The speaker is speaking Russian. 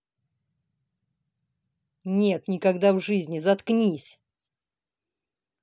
нет никогда в жизни заткнись